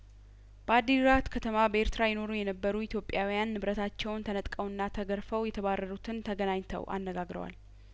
በአዲግራት ከተማ በኤርትራ ይኖሩ የነበሩ ኢትዮጵያውያንንብረታቸውን ተነጥቀውና ተገርፈው የተባረሩትን ተገናኝ ተው አነጋግረዋል